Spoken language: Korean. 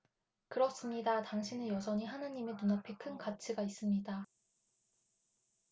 그렇습니다 당신은 여전히 하느님의 눈앞에 큰 가치가 있습니다